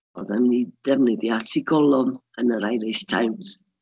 Oedd o'n ei ddefnyddio at ei golofn yn yr Irish Times.